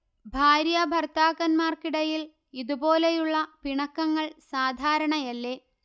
ഭാര്യാഭർത്താക്കന്മാർക്കിടയിൽ ഇതുപോലെയുള്ള പിണക്കങ്ങൾ സാധാരണയാണല്ലേ